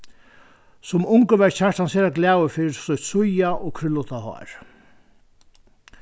sum ungur var kjartan sera glaður fyri sítt síða og krúlluta hár